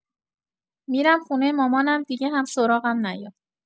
می‌رم خونه مامانم دیگه هم سراغم نیا